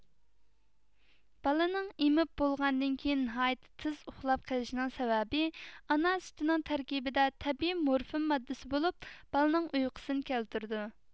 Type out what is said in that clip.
بالىنىڭ ئېمىپ بولغاندىن كېيىن ناھايىتى تېز ئۇخلاپ قېلىشىنىڭ سەۋەبى ئانا سۈتىنىڭ تەركىبىدە تەبىئىي مورفىن ماددىسى بولۇپ بالىنىڭ ئۇيقۇسىنى كەلتۈرىدۇ